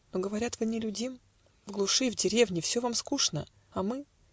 Но, говорят, вы нелюдим; В глуши, в деревне все вам скучно, А мы.